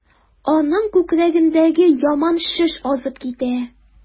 Аның күкрәгендәге яман шеш азып китә.